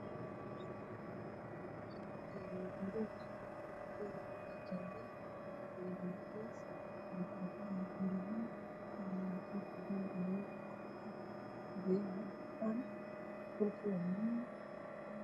Waxa dhacal midabkiis yahay madow maxaa ag yaalo bakeeri ay ku jiraan caano